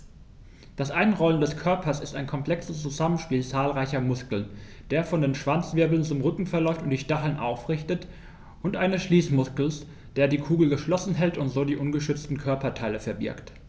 Das Einrollen des Körpers ist ein komplexes Zusammenspiel zahlreicher Muskeln, der von den Schwanzwirbeln zum Rücken verläuft und die Stacheln aufrichtet, und eines Schließmuskels, der die Kugel geschlossen hält und so die ungeschützten Körperteile verbirgt.